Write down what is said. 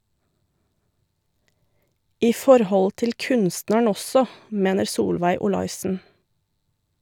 I forhold til kunstneren også, mener Solveig Olaisen.